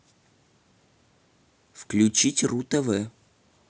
включить ру тв